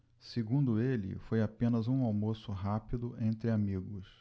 segundo ele foi apenas um almoço rápido entre amigos